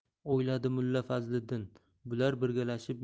o'yladi mulla fazliddin bular birgalashib